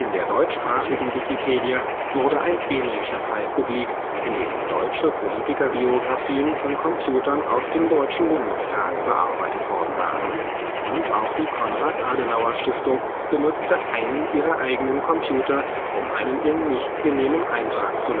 der deutschsprachigen Wikipedia wurde ein ähnlicher Fall, in dem deutsche Politikerbiographien von Computern aus dem Deutschen Bundestag bearbeitet worden waren, publik; und auch die Konrad-Adenauer-Stiftung benutzte einen ihrer eigenen Computer, um einen ihr nicht genehmen Eintrag zu